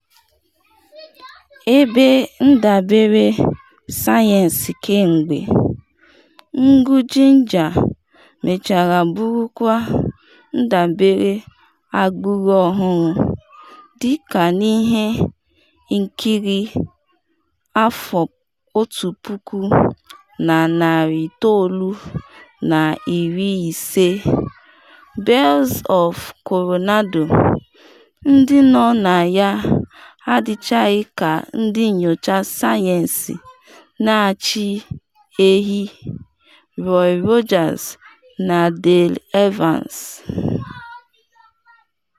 Ebe ndabere sayensi kemgbe, Ngụ Geiger mechara bụrụkwa ndabere agbụrụ ọhụrụ, dịka n’ihe nkiri 1950 “Bells of Coronado.” ndị nọ na ya adịchaghị ka ndị nyocha sayensi na-achị ehi Roy Rogers na Dale Evans: